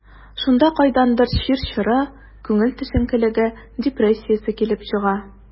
Шунда кайдандыр чир чоры, күңел төшенкелеге, депрессиясе килеп чыга.